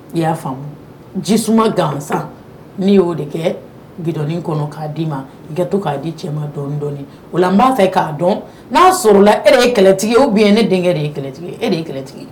I y'a faamu jis gan n'i y'o de kɛ bidɔn kɔnɔ k'a d'i ma i ka to k'a di cɛ ma dɔn dɔɔni o n b'a fɛ k'a dɔn n'a sɔrɔ la e ye kɛlɛtigi o bi ye ne denkɛ de ye kɛlɛ e de ye kɛlɛtigi ye